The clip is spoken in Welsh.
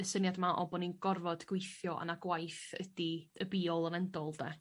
Y syniad 'ma o bo' ni'n gorfod gweithio a 'na gwaith ydi y be all and end all 'de?